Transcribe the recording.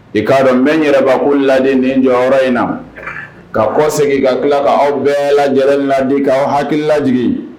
De k'a dɔn n bɛ yɛrɛko lajɛ nin jɔyɔrɔyɔrɔ in na ka kɔ segin ka tila ka aw bɛɛ lajɛ laadi'aw hakili laigi